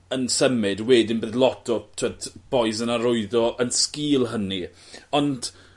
yn symud wedyn bydd lot o t'wod bois yn arwyddo yn sgil hynny. Ond